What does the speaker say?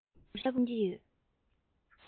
ངས གསལ པོར ཤེས ཀྱི ཡོད